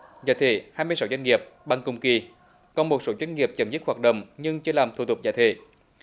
giải thể hai mươi sáu doanh nghiệp bằng cùng kỳ có một số doanh nghiệp chấm dứt hoạt động nhưng chưa làm thủ tục giải thể